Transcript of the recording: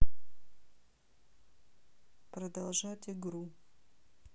продолжать игру